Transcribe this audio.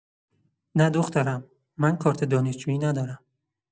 نه دخترم، من کارت دانشجویی ندارم.